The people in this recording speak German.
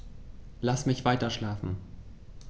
Lass mich weiterschlafen.